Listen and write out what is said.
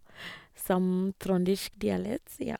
Som trøndersk dialekt, ja.